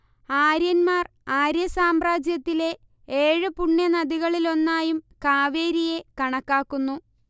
ആര്യന്മാർ ആര്യസാമ്രാജ്യത്തിലെ ഏഴു പുണ്യ നദികളിലൊന്നായും കാവേരിയെ കണക്കാക്കുന്നു